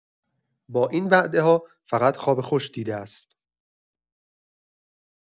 با این وعده‌ها فقط خواب خوش دیده است.